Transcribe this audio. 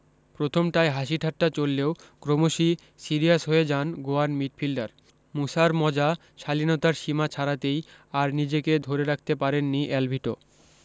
প্রথমটায় হাসিঠাট্টা চললেও ক্রমশি সিরিয়াস হয়ে যান গোয়ান মিডফিল্ডার মুসার মজা শালীনতার সীমা ছাড়াতেই আর নিজেকে ধরে রাখতে পারেননি অ্যালভিটো